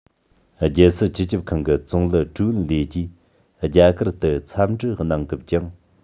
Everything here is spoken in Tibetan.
རྒྱལ སྲིད སྤྱི ཁྱབ ཁང གི ཙུང ལི ཀྲོའུ ཨིན ལེན གྱིས རྒྱ གར དུ འཚམས འདྲི གནང སྐབས ཀྱང